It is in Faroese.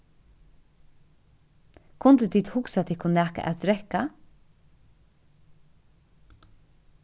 kundu tit hugsað tykkum nakað at drekka